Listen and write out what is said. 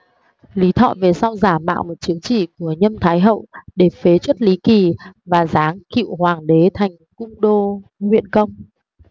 lý thọ về sau giả mạo một chiếu chỉ của nhâm thái hậu để phế truất lý kỳ và giáng cựu hoàng đế thành cung đô huyện công